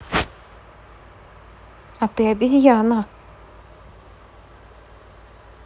а ты обезьяна